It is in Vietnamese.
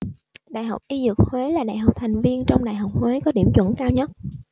đại học y dược huế là đại học thành viên trong đại học huế có điểm chuẩn cao nhất